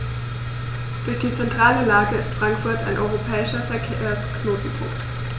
Durch die zentrale Lage ist Frankfurt ein europäischer Verkehrsknotenpunkt.